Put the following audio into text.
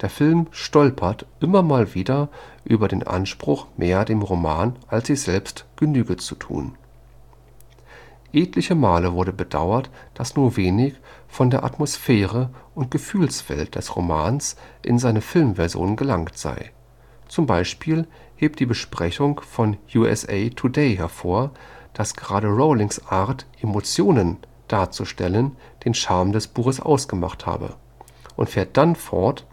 Film „ stolpert […] immer mal wieder über den Anspruch, mehr dem Roman als sich selbst Genüge zu tun. “Etliche Male wurde bedauert, dass nur wenig von der Atmosphäre und Gefühlswelt des Romans in seine Filmversion gelangt sei. Zum Beispiel hebt die Besprechung von USA Today hevor, dass gerade Rowlings Art, Emotionen darzustellen, den Charme des Buches ausgemacht habe, und fährt dann fort